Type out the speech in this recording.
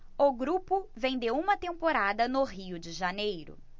o grupo vem de uma temporada no rio de janeiro